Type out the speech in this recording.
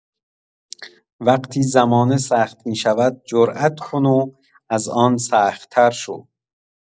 وقتی زمانه سخت می‌شود، جرأت کن و از آن سخت‌تر شو.